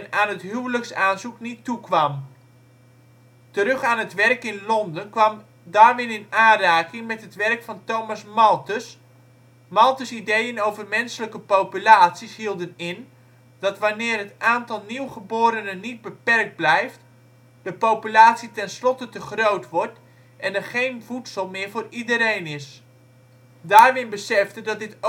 aan het huwelijksaanzoek niet toekwam. Terug aan het werk in Londen kwam Darwin in aanraking met het werk van Thomas Malthus. Malthus ' ideeën over menselijke populaties hielden in dat wanneer het aantal nieuw geborenen niet beperkt blijft, de populatie tenslotte te groot wordt en er geen voedsel meer voor iedereen is. Darwin besefte dat dit